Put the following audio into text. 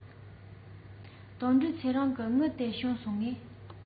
དོན གྲུབ ཚེ རིང གི དངུལ དེ བྱུང སོང ངས